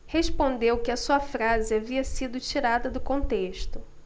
respondeu que a sua frase havia sido tirada do contexto